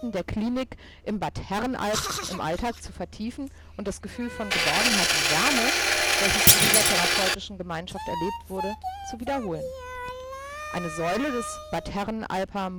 der Klinik im Bad-Herrenalb im Alltag zu vertiefen und das Gefühl von Geborgenheit und Wärme, welches in dieser therapeutischen Gemeinschaft erlebt wurde, zu wiederholen. Eine Säule des Bad Herrenalber Modells